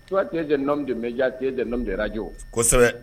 Toi tu es un homme de media tu es un homme de radio kosɛbɛ